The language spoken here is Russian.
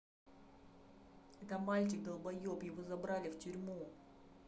это мальчик долбоеб его забрали в тюрьму